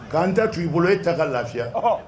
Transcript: K'an ta tu i bolo i ta ka lafiya